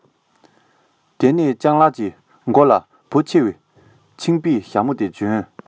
དེ ནས སྤྱང ལགས ཀྱི མགོ ལ བུ ཆེ བའི ཕྱིང པའི ཞྭ མོ དེ གྱོན